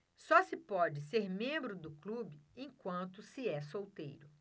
só se pode ser membro do clube enquanto se é solteiro